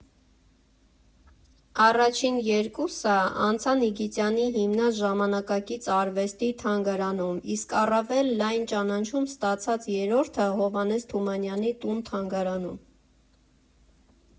Առաջին երկուսը անցան Իգիթյանի հիմնած Ժամանակակից արվեստի թանգարանում, իսկ առավել լայն ճանաչում ստացած երրորդը՝ Հովհաննես Թումանյանի տուն֊թանգարանում։